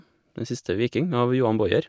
Den siste viking av Johan Bojer.